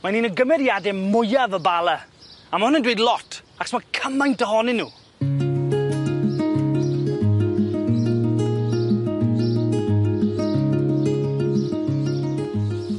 Mae'n un o gymeriade mwyaf y Bala a ma' wna'n dweud lot achos ma' cymaint ohonyn nw.